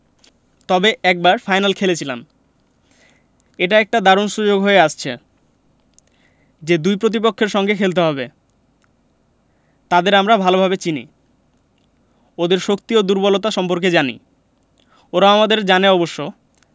তবে একবার ফাইনাল খেলেছিলাম এটা একটা দারুণ সুযোগ হয়ে আসছে যে দুই প্রতিপক্ষের সঙ্গে খেলা হবে তাদের আমরা ভালোভাবে চিনি ওদের শক্তি ও দুর্বলতা সম্পর্কে জানি ওরাও আমাদের জানে অবশ্য